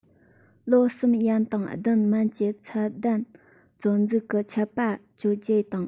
ལོ གསུམ ཡན དང བདུན མན གྱི ཚད ལྡན བཙོན འཇུག གི ཆད པ གཅོད རྒྱུ དང